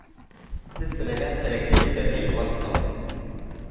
Ез теләгән теләккә җитәргә юллар сызам,